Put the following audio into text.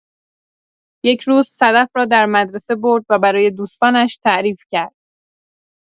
یک روز، صدف را در مدرسه برد و برای دوستانش تعریف کرد.